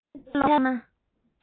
རྟོག འཆལ ཀློང ན